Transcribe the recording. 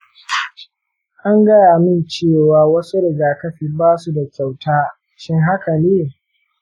an gaya min cewa wasu rigakafi ba su da kyauta. shin haka ne?